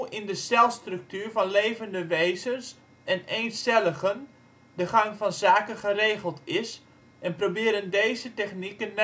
in de celstructuur van levende wezens en eencelligen de gang van zaken geregeld is en proberen deze technieken